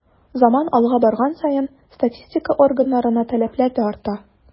Заман алга барган саен статистика органнарына таләпләр дә арта.